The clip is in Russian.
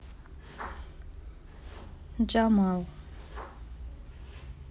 jahmal